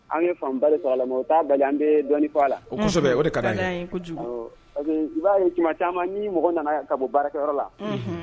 An ye faamu ba de sɔr'a la mais o t'a bali an bee dɔnni fɔ a la o kosɛbɛ o de kad'an ye kojugu awɔ parce que i b'a ye tuma caaman nii mɔgɔ nana yan ka bɔ baarakɛyɔrɔ la unhun